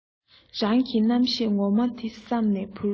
རང གི རྣམ ཤེས ངོ མ དེ བསམ ན འཕུར